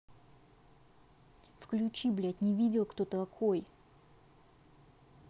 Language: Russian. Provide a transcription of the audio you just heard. включи блять не видел кто такой